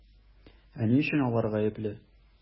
Ә ни өчен алар гаепле?